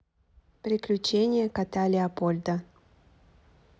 приключения кота леопольда